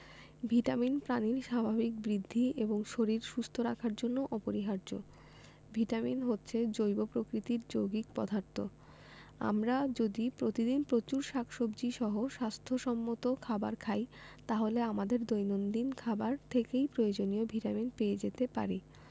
vitamin প্রাণীর স্বাভাবিক বৃদ্ধি এবং শরীর সুস্থ রাখার জন্য অপরিহার্য ভিটামিন হচ্ছে জৈব প্রকৃতির যৌগিক পদার্থ আমরা যদি প্রতিদিন প্রচুর শাকসবজী সহ স্বাস্থ্য সম্মত খাবার খাই তাহলে আমাদের দৈনন্দিন খাবার থেকেই প্রয়োজনীয় ভিটামিন পেয়ে যেতে পারি